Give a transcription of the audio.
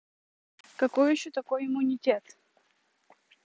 какой еще такой иммунитет